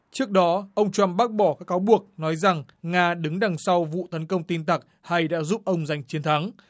trước đó ông trăm bác bỏ cáo buộc nói rằng nga đứng đằng sau vụ tấn công tin tặc hay đã giúp ông giành chiến thắng